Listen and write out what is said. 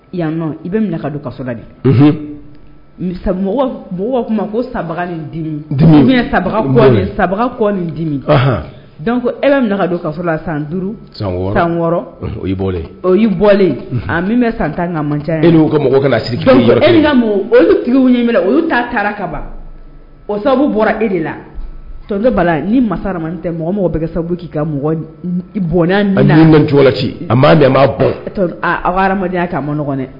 Yan i bɛ don de ko dimi dimi ko e don ka la san duuru san sanlen bɔlen a min bɛ san tan ca mɔgɔ olu tigi ɲɛmina olu ta taara ka ban o sababu bɔra e de la tɔ b bala la ni masamani tɛ mɔgɔ mɔgɔ bɛ sababu k' ka mɔgɔ bɔ ci a bɔ hadenya'a ma nɔgɔ dɛ